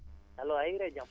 allo